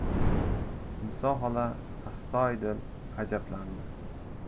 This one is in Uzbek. niso xola astoydil ajablandi